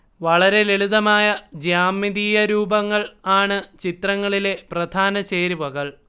വളരെ ലളിതമായ ജ്യാമിതീയരൂപങ്ങൾ ആണ് ചിത്രങ്ങളിലെ പ്രധാനചേരുവകൾ